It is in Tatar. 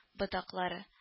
Ботаклары